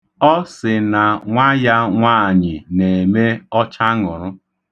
Ọ sị na nwa ya nwaanyị na-eme ọchaṅụrụ.